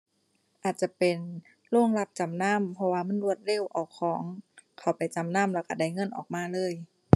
อาจจะเป็นโรงรับจำนำ เพราะว่ามันรวดเร็วเอาของเข้าไปจำนำแล้วก็ได้เงินออกมาเลย